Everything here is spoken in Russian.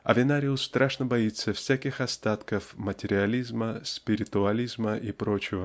Авенариус страшно боится всяких остатков материализма спиритуализма и пр.